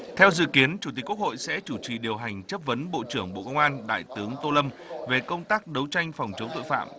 theo dự kiến chủ tịch quốc hội sẽ chủ trì điều hành chất vấn bộ trưởng bộ công an đại tướng tô lâm về công tác đấu tranh phòng chống tội phạm